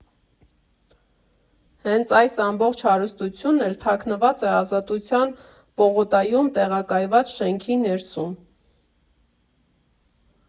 Հենց այս ամբողջ հարստությունն էլ թաքնված է Ազատության պողոտայում տեղակայված շենքի ներսում։